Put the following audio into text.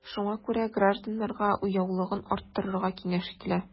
Шуңа күрә гражданнарга уяулыгын арттырыга киңәш ителә.